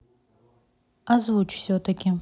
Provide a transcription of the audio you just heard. озвучь все таки